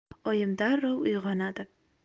oyim darrov uyg'onadi